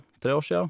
Tre år sia.